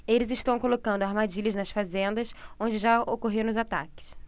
eles estão colocando armadilhas nas fazendas onde já ocorreram os ataques